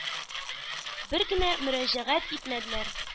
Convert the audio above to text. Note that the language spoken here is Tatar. Бер генә мөрәҗәгать итмәделәр.